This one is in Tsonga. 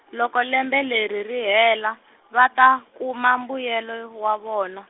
loko lembe leri ri hela , va ta, kuma mbuyelo wa vona.